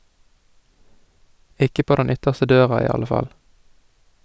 Ikke på den ytterste døra i alle fall.